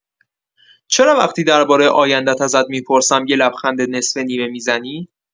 چرا وقتی درباره آینده‌ات ازت می‌پرسم، یه لبخند نصفه‌نیمه می‌زنی؟